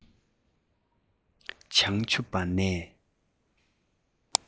བྱང ཆུབ པ ནས